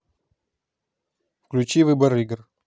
включи выбор игр